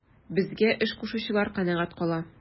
Безгә эш кушучылар канәгать кала.